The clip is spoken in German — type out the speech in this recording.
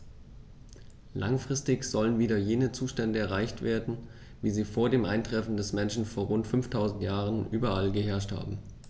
Langfristig sollen wieder jene Zustände erreicht werden, wie sie vor dem Eintreffen des Menschen vor rund 5000 Jahren überall geherrscht haben.